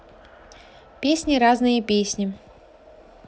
песни разные песни